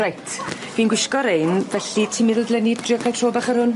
Reit fi'n gwisgo rein felly ti'n meddwl dylen i drio ca'l tro bach ar 'wn?